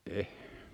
en